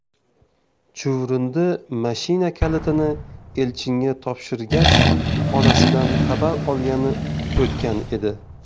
chuvrindi mashina kalitini elchinga topshirgach onasidan xabar olgani o'tgan edi